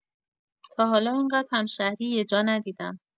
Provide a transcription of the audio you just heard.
تا حالا انقد همشهری یه جا ندیدم!